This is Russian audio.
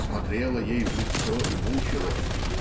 смотрела ей в лицо и мучилась.